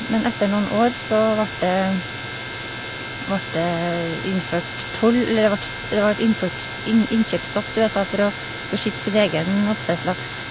Men etter noen år så vart det vart det innført toll, eller det vart det vart innført inn innkjøpsstopp til USA for å beskytte sitt egen oppdrettslaks.